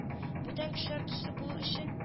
Бүтән кешеләр төсле булу өчен